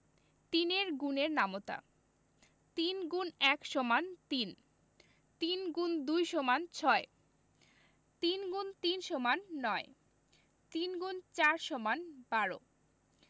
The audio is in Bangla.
৩ এর গুণের নামতা ৩ X ১ = ৩ ৩ X ২ = ৬ ৩ × ৩ = ৯ ৩ X ৪ = ১২